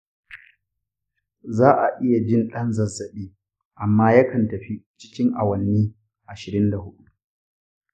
za’a iya jin ɗan zazzabi, amma yakan tafi cikin awanni ashirin da hudu.